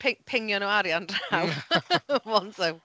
Pi- pingio nhw arian draw ar Monzo.